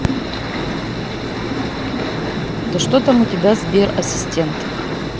да что там у тебя сбер ассистент